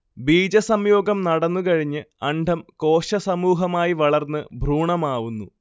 ബീജസംയോഗം നടന്ന്കഴിഞ്ഞ് അണ്ഡം കോശസമൂഹമായി വളർന്ന് ഭ്രൂണമാവുന്നു